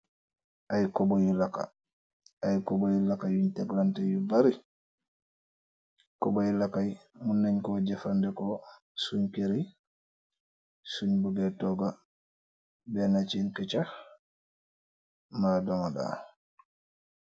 Aiiy kobo yu lahkah, aiiy kobo yu lahkah yungh teg lanteh yu bari, kobo yu lahkah yii mun nen kor jeufandehkor sungh kerr yii, sungh bugeh tohgah benachin kechaah mba domoda.